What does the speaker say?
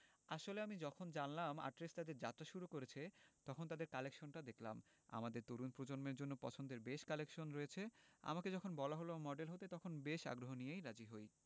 আসলে আমি যখন জানলাম আর্টরেস তাদের যাত্রা শুরু করেছে তখন তাদের কালেকশান দেখলাম আমাদের তরুণ প্রজন্মের জন্য পছন্দের বেশ কালেকশন রয়েছে আমাকে যখন বলা হলো মডেল হতে তখন বেশ আগ্রহ নিয়েই রাজি হই